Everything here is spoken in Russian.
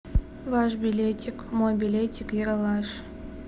ваш билетик мой билетик ералаш